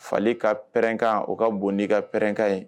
Fali ka pɛrɛnkan o ka bon n' i ka pɛrɛnkan ye